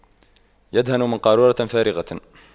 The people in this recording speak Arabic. يدهن من قارورة فارغة